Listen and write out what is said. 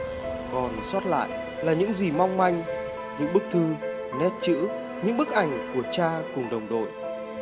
còn sót lại là những gì mong manh những bức thư nét chữ những bức ảnh của cha cùng đồng đội